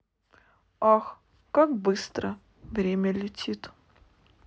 ах как быстро время летит